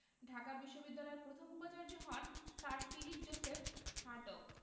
ঢাকা বিশ্ববিদ্যালয়ের প্রথম উপাচার্য হন স্যার ফিলিপ জোসেফ হার্টগ